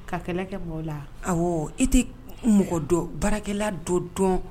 Ka kɛlɛ kɛ mɔgɔw la a i tɛ mɔgɔ dɔ barakɛlala don dɔn